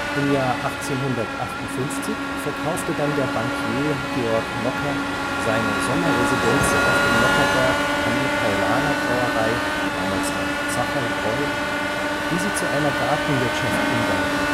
Im Jahr 1858 verkaufte dann der Bankier Georg Nockher seine Sommerresidenz auf dem Nockherberg an die Paulaner-Brauerei (damals noch „ Zacherlbräu “), die sie zu einer Gartenwirtschaft umbaute